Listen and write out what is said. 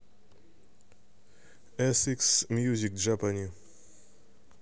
эс икс мьюзик джапани